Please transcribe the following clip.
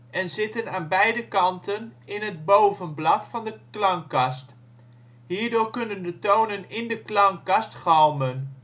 en zitten aan beide kanten in het bovenblad van de klankkast. Hierdoor kunnen de tonen in de klankkast galmen